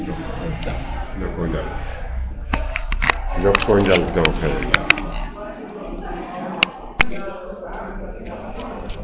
Njooko njal Njooko njal tew oxe.